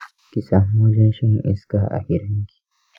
ki samu wajen shan iska a gidanki.